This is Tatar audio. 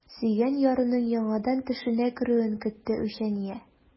Сөйгән ярының яңадан төшенә керүен көтте үчәния.